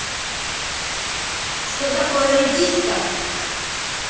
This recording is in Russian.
что такое редиска